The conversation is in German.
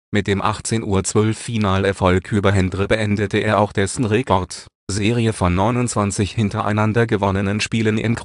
Mit dem 18:12-Finalerfolg über Hendry beendete er auch dessen Rekord-Serie von 29 hintereinander gewonnenen Spielen im